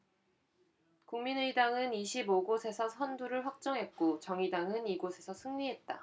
국민의당은 이십 오 곳에서 선두를 확정했고 정의당은 이 곳에서 승리했다